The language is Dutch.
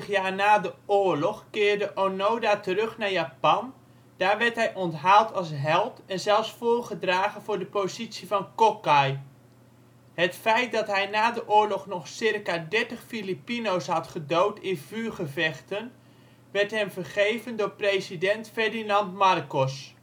29 jaar na de oorlog keerde Onoda terug naar Japan. Daar werd hij onthaald als held en zelfs voorgedragen voor de positie van Kokkai. Het feit dat hij na de oorlog nog circa 30 Filipino 's had gedood in vuurgevechten werd hem vergeven door president Ferdinand Marcos